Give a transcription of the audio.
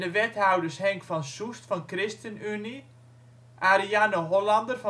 Wethouders: Henk van Soest (Christenunie) Arianne Hollander